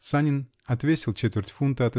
Санин отвесил четверть фунта, .